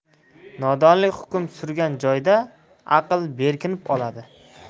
nodonlik hukm surgan joyda aql berkinib oladi